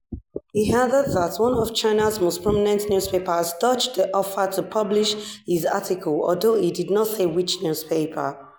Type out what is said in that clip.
He added that "one of China's most prominent newspapers dodged the offer to publish" his article, although he did not say which newspaper.